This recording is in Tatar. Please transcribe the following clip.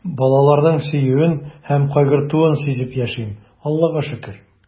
Балаларның сөюен һәм кайгыртуын сизеп яшим, Аллага шөкер.